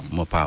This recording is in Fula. mbo PAM